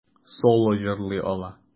Соло җырлый ала.